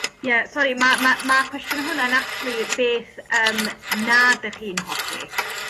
ie sori ma' ma' ma' cwestiwn hwna'n actually beth yym nad 'dych chi'n hoffi?